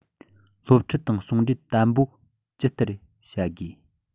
སློབ ཁྲིད དང ཟུང འབྲེལ དམ པོ ཇི ལྟར བྱ དགོས